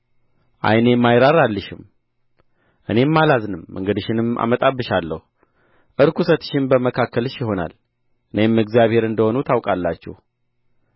ዓይኔም አይራራልሽም እኔም አላዝንም መንገድሽንም አመጣብሻለሁ ርኵሰትሽም በመካከልሽ ይሆናል እኔም እግዚአብሔር እንደ ሆንሁ ታውቃላችሁ